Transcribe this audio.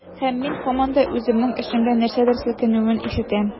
Һәм мин һаман да үземнең эчемдә нәрсәдер селкенүен ишетәм.